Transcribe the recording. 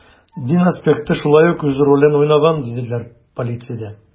Дин аспекты шулай ук үз ролен уйнаган, диделәр полициядә.